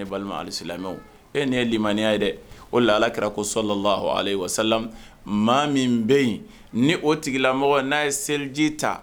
Ne balima mɛ e nin ye lilimaya ye dɛ o la alaki ko sola wa sa maa min bɛ yen ni o tigilamɔgɔ n'a ye seliji ta